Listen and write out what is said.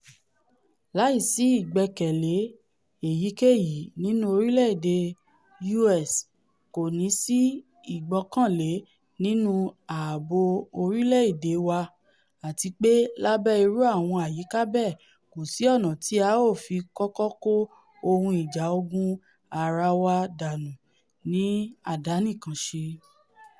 Láìsí ìgbẹkẹ̀lé èyíkéyìí nínú orílẹ̀-èdè U.S. kòní sí ìgbọkànlé nínú ààbò orílẹ̀-èdè wa àtipé lábẹ́ irú àwọn àyíká bẹ́ẹ̀ kòsí ọ̀nà tí a ó fi kọ́kọ́ kó ohun ìjà ogun ara wa dánù ní àdánìkànṣe.''